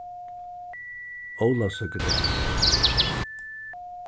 ólavsøkudagur